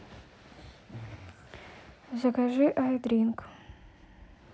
закажи айдринк